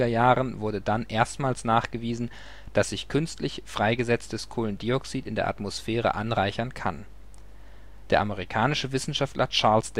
Jahren wurde dann erstmals nachgewiesen, dass sich künstlich freigesetztes Kohlendioxid in der Atmosphäre anreichern kann. Der amerikanische Wissenschaftler Charles